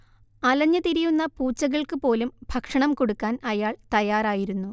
അലഞ്ഞ് തിരിയുന്ന പൂച്ചകൾക്ക് പോലും ഭക്ഷണം കൊടുക്കാൻ അയാള്‍ തയ്യാറായിരുന്നു